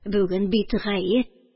Бүген бит гает